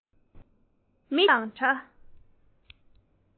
མི དེ དག ནི དུད འགྲོ དང འདྲ